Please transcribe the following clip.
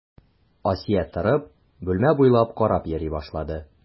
Асия торып, бүлмә буйлап карап йөри башлады.